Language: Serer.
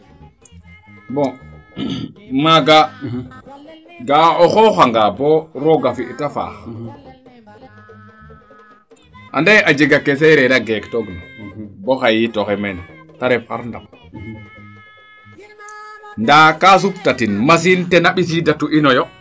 bon maaga ga';a o xooxa nga bo rooga fi te faax ande a jega kee sereer a geek to gina bo xaye yit oxey meen te ref xar Ndap ndaa kaa supta tin machine tena mbisiida tu ino yo